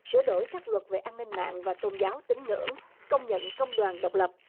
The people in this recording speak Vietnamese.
sửa đổi các luật về an ninh mạng và tôn giáo tín ngưỡng công nhận công đoàn độc lập